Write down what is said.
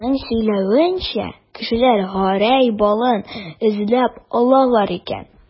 Аның сөйләвенчә, кешеләр Гәрәй балын эзләп алалар икән.